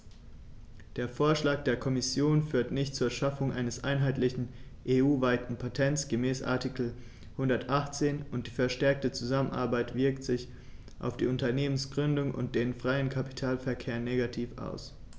Der Vorschlag der Kommission führt nicht zur Schaffung eines einheitlichen, EU-weiten Patents gemäß Artikel 118, und die verstärkte Zusammenarbeit wirkt sich auf die Unternehmensgründung und den freien Kapitalverkehr negativ aus.